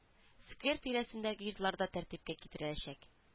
Сквер тирәсендәге йортлар да тәртипкә китереләчәк